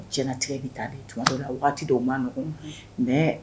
Diɲɛlatigɛ bɛ tan de tuma dɔw la waati dɔw man nɔgɔn mais